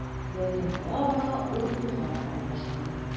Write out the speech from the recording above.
Ләкин тора-бара ул уйга кала башлады.